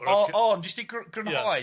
O ond jyst i gryn- grynhoi